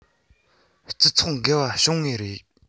སྤྱི ཚོགས འགལ བ བྱུང ངེས རེད